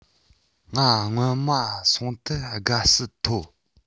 ང སྔོན མ སོང དུས དགའ བསུ ཐོབ